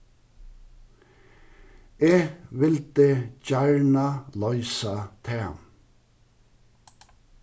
eg vildi gjarna loysa tað